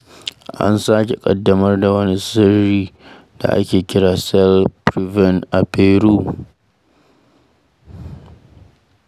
An sake ƙaddamar da wani shiri da ake kira 'Cell-PREVEN' a Peru.